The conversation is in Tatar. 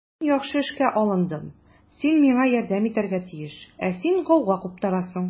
Мин яхшы эшкә алындым, син миңа ярдәм итәргә тиеш, ә син гауга куптарасың.